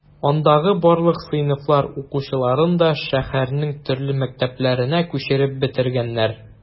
Андагы барлык сыйныфлар укучыларын да шәһәрнең төрле мәктәпләренә күчереп бетергәннәр.